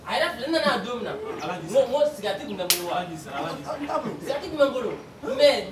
A yɛrɛ filɛ nana' don min na mɔgɔigati boloigatigi bɛ n bolo n